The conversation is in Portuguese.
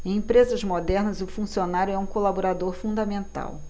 em empresas modernas o funcionário é um colaborador fundamental